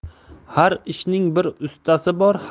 har ishning bir ustasi bor